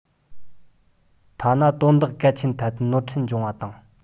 ཐ ན དོན དག གལ ཆེན ཐད ནོར འཁྲུལ འབྱུང བ དང